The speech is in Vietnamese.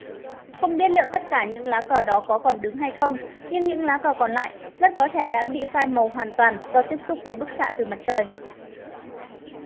không biết liệu tất cả những lá cờ đó có còn đứng không nhưng những lá cờ còn lại rất có thể đã bị phai màu hoàn toàn do tiếp xúc với bức xạ từ mặt trời